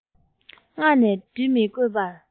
མངགས ནས འདྲི མི དགོས པར